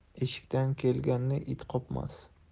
eshikdan kelganni it qopmas